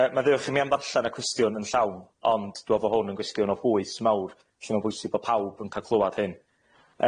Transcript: Yy maddewch i mi am ddarllen y cwestiwn yn llawn ond dwi'n meddwl bo' hwn yn gwestiwn o bwys mawr lle ma'n bwysig bo' pawb yn ca'l clwad hyn.